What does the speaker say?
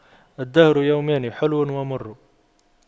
الدهر يومان حلو ومر